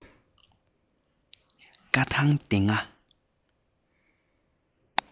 བཀའ ཐང ལྡེ ལྔ